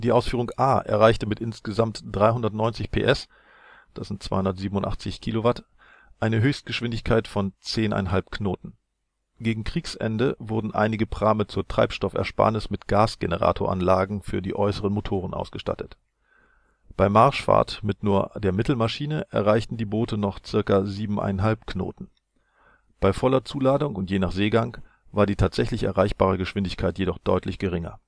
Ausführung A erreichte mit insgesamt 390 PS (287 kW) eine Höchstgeschwindigkeit von 10,5 kn. Gegen Kriegsende wurden einige Prahme zur Treibstoffersparnis mit Generatorgasanlagen für die äußeren Motoren ausgestattet. Bei Marschfahrt mit nur der Mittelmaschine erreichten die Boote noch ca. 7,5 kn. Bei voller Zuladung und je nach Seegang war die tatsächlich erreichbare Geschwindigkeit jedoch deutlich geringer